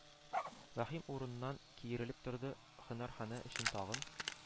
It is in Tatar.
Ваһим урыныннан киерелеп торды, һөнәрханә эчен тагын